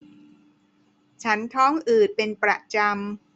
ฉันท้องอืดเป็นประจำ